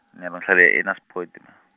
mine ngihlala eNaspoti ma.